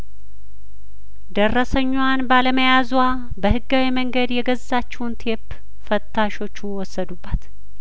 ደረሰኟን ባለመያዟ በህጋዊ መንገድ የገዛችውን ቴፕ ፈታሾቹ ወሰዱባት